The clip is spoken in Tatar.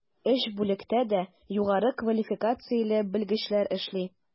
Өч бүлектә дә югары квалификацияле белгечләр эшли.